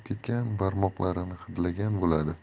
ketgan barmoqlarini hidlagan bo'ladi